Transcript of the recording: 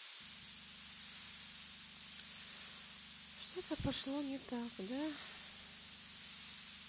что то пошло не так да